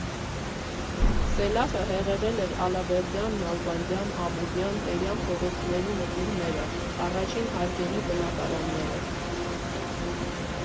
Սելավը հեղեղել էր Ալավերդյան, Նալբանդյան, Աբովյան, Տերյան փողոցների նկուղները, առաջին հարկերի բնակարանները։